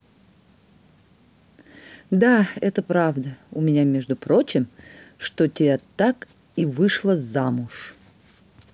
да это правда у меня между прочим что тебя так и вышла замуж